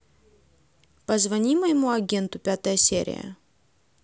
позвони моему агенту пятая серия